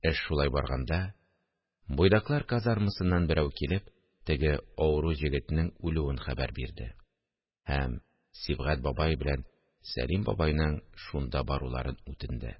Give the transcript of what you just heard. Эш шулай барганда, буйдаклар казармасыннан берәү килеп, теге авыру җегетнең үлүен хәбәр бирде һәм Сибгать бабай белән Сәлим бабайның шунда баруларын үтенде